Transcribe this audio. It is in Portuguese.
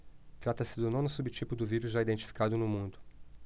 trata-se do nono subtipo do vírus já identificado no mundo